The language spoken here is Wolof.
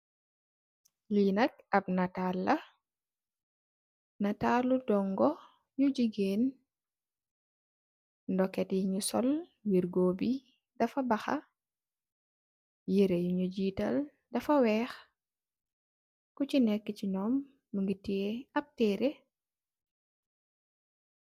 Li nak ap netal la netali ndongo yu jigeen nduket yunyu sol wergo bi dafa baha yereh yu nyu jetal dafa weex ku si neka si nyom mogi tiyeh ap tereh.